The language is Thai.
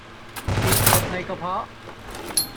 มีกรดในกระเพาะ